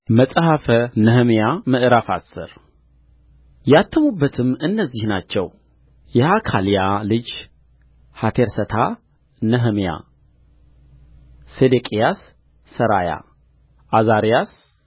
መጽሐፈ ነህምያ ምዕራፍ አስር ያተሙትም እነዚህ ናቸው የሐካልያ ልጅ ሐቴርሰታ ነህምያ ሴዴቅያስ ሠራያ ዓዛርያስ